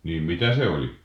niin mitä se oli